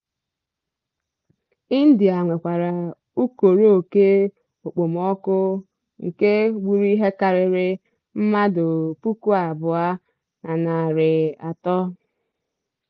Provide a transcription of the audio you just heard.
India nwekwara ukoro oke okpomọkụ nke gburu ihe karịrị mmadụ 2,300.